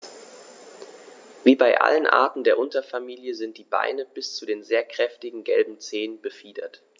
Wie bei allen Arten der Unterfamilie sind die Beine bis zu den sehr kräftigen gelben Zehen befiedert.